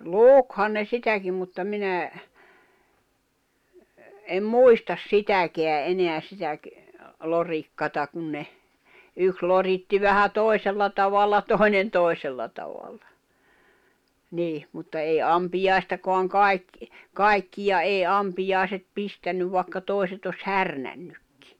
lukihan ne sitäkin mutta minä en muista sitäkään enää sitä lorikkaa kun ne yksi loritti vähän toisella tavalla toinen toisella tavalla niin mutta ei ampiaistakaan - kaikkia ei ampiaiset pistänyt vaikka toiset olisi härnännytkin